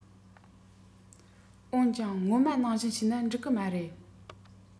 འོན ཀྱང སྔོན མ ནང བཞིན བྱས ན འགྲིག གི མ རེད